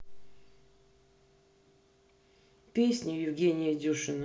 песню евгения дюшина